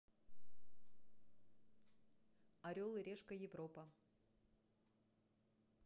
орел и решка европа